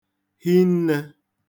hinnē